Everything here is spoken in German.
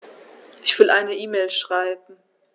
Ich will eine E-Mail schreiben.